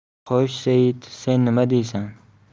xo'sh seit sen nima deysan